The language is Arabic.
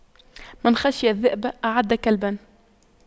من خشى الذئب أعد كلبا